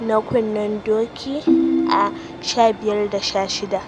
na kunnen doki a 15:16.